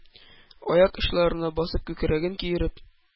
Аяк очларына басып, күкрәген киереп,